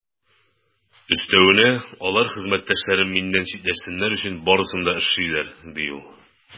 Өстәвенә, алар хезмәттәшләрем миннән читләшсеннәр өчен барысын да эшлиләр, - ди ул.